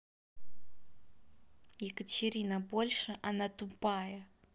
екатерина больше она тупая